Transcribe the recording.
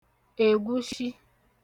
egwushi